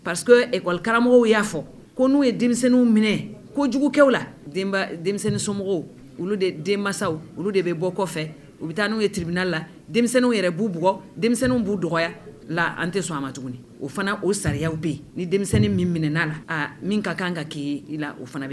Parisekekɔli karamɔgɔw y'a fɔ ko n'u ye denmisɛnninw minɛ kojugukɛ la denmisɛnnin somɔgɔw olu de denmanw olu de bɛ bɔ kɔfɛ u bɛ taa n'u ye tibiina la denmisɛnninw yɛrɛ b'u buugɔgɔ denmisɛnninw b'u dɔgɔya la an tɛ sɔn an ma tuguni o fana o sariya bɛ yen ni denmisɛnnin min minɛ' la min ka kan ka k'i la o fana bɛ